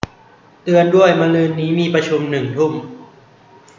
เตือนด้วยมะรืนนี้มีประชุมหนึ่งทุ่ม